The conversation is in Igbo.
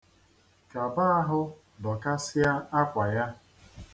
Kaba ahụ dọkasịa akwa ya.